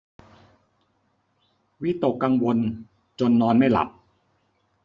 วิตกกังวลจนนอนไม่หลับ